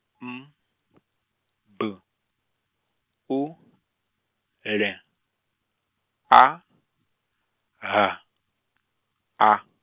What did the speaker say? M, B, U, L, A, H, A.